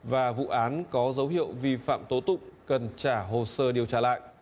và vụ án có dấu hiệu vi phạm tố tụng cần trả hồ sơ điều tra lại